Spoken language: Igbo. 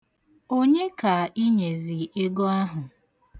Onye ka ị nyezi ego ahụ?